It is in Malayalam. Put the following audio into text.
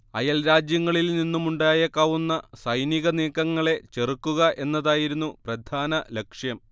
അയൽരാജ്യങ്ങളിൽ നിന്നുമുണ്ടായേക്കാവുന്ന സൈനികനീക്കങ്ങളെ ചെറുക്കുക എന്നതായിരുന്നു പ്രധാന ലക്ഷ്യം